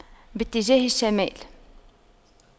باتجاه الشمال